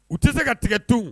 U tɛ se ka tigɛ te